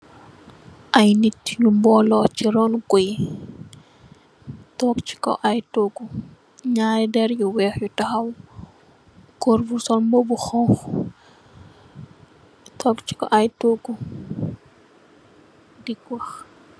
Ay nit ñu bolo ci ron bouye, toog ci kaw ay togu. Naari derr yu weeh yu tahaw góor bu sol mbub bu honku, toog chi kaw ay togu di wah.